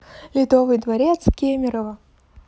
ледовый дворец кемерово